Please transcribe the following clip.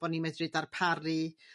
bo' ni medru darparu